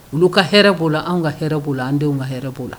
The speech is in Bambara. Olu ka hɛrɛ b' la an ka hɛrɛ' la an denw ka hɛrɛ b'o la